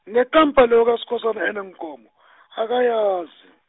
nekampa leyo kaSkhosana eneenkomo , akayazi.